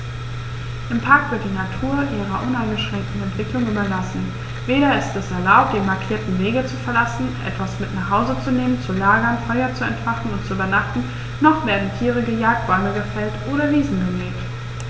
Im Park wird die Natur ihrer uneingeschränkten Entwicklung überlassen; weder ist es erlaubt, die markierten Wege zu verlassen, etwas mit nach Hause zu nehmen, zu lagern, Feuer zu entfachen und zu übernachten, noch werden Tiere gejagt, Bäume gefällt oder Wiesen gemäht.